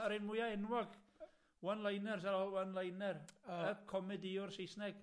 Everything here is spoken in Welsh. Yr un mwya enwog, one-liners ar ôl one-liner, y comediwr Saesneg.